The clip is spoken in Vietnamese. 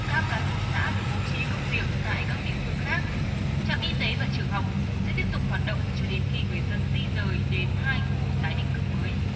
các cán bộ xã được bố trí công việc tại các địa phương khác trạm y tế và trường học sẽ tiếp tục hoạt động cho đến khi người dân di dời đến hai khu tái định cư mới